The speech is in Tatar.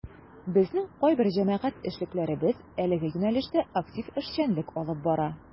Безнең кайбер җәмәгать эшлеклеләребез әлеге юнәлештә актив эшчәнлек алып бара.